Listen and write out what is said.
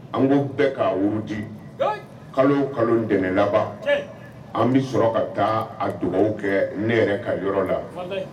An ko bɛɛ k' woroji kalo kalo ntɛnɛn laban an bɛ sɔrɔ ka taa dugawu kɛ ne yɛrɛ ka yɔrɔ la